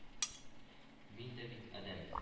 Мин дә бит адәм